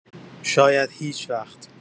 شاید هیچ‌وقت.